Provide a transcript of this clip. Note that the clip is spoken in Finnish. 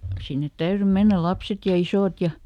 sinne täytyi mennä lapset ja isot ja